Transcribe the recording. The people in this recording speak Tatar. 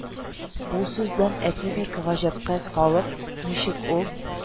Бу сүздән әти бик гаҗәпкә калып: "Ничек ул